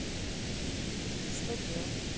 и что делать